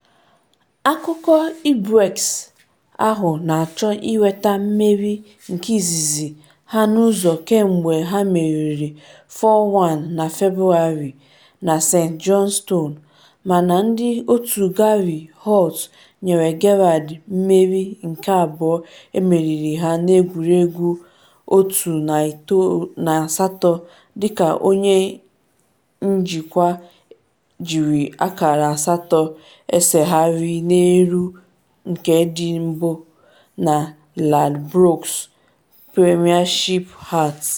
Akụkụ Ibrox ahụ na-achọ inweta mmeri nke izizi ha n’ụzọ kemgbe ha meriri 4-1 na Febuarị na St Johnstone, mana ndị otu Gary Holt nyere Gerrard mmeri nke abụọ emeriri ha n’egwuregwu 18 dịka onye njikwa jiri akara asatọ esegharị n’elu nke ndị mbu na Ladbrokes Premiership, Hearts.